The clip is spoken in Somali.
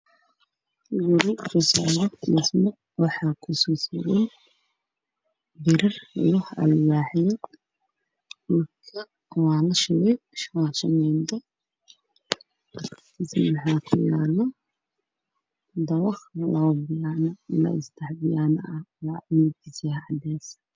Halkaan waxaa ka muuqdo guri aan la dhamaystirin ee hada dhismo ka socdo